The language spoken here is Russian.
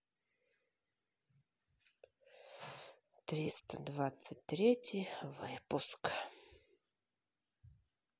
триста двадцать третий выпуск